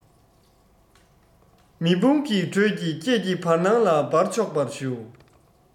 མེ དཔུང གི དྲོད ཀྱིས ཁྱེད ཀྱི བར སྣང ལ སྦར ཆོག པར ཞུ